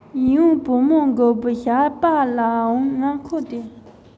ཡིད འོང བུ མོ འགུགས པའི ཞགས པ ལའང ང མཁོ སྟེ